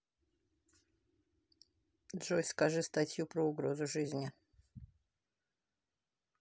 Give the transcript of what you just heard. джой скажи статью про угрозу жизни